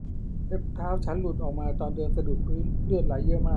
เล็บเท้าฉันหลุดออกมาตอนเดินสะดุดพื้นเลือดไหลเยอะมาก